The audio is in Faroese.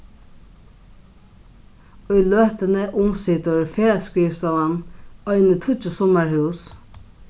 í løtuni umsitur ferðaskrivstovan eini tíggju summarhús